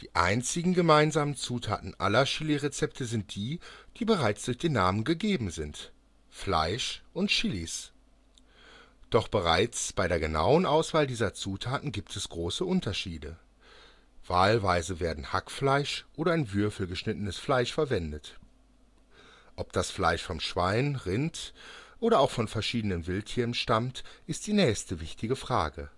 einzigen gemeinsamen Zutaten aller Chili-Rezepte sind die, die bereits durch den Namen gegeben sind: Fleisch und Chilis. Doch bereits bei der genauen Auswahl dieser Zutaten gibt es große Unterschiede. Wahlweise werden Hackfleisch oder in Würfel geschnittenes Fleisch verwendet. Ob das Fleisch von Schwein, Rind oder auch von verschiedenen Wildtieren stammt, ist die nächste wichtige Frage